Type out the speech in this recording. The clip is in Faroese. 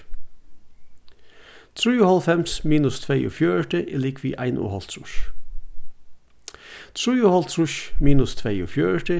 trýoghálvfems minus tveyogfjøruti er ligvið einoghálvtrýss trýoghálvtrýss minus tveyogfjøruti